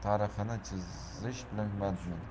tarhini chizish bilan bandmen